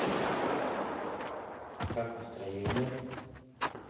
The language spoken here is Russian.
как настроение